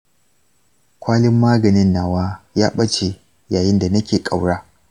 kwalin maganin nawa ya ɓace yayin da nake ƙaura.